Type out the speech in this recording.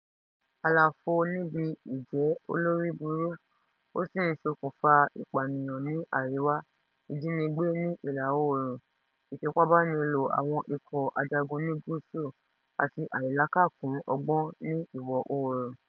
Àlàfo níbi ìjẹ́ olórí burú ó sì ń ṣokùnfà ìpànìyàn ní àríwá, ìjínigbé ní ìlà-oòrùn, ìfipábánilò àwọn ikọ̀ ajagun ní Gúúsù Gúúsù àti àìlákàkún ọgbọ́n ní ìwọ̀ oòrùn.